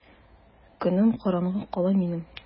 Көнем караңгы кала минем!